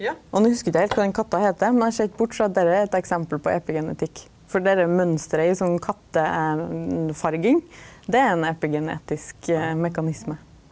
ja og no hugsar ikkje eg heilt kva den katta heiter, men eg ser ikkje bort frå at derre er eit døme på epigenetikk for derre mønsteret i sånn kattefarging det er ein epigenetisk mekanisme.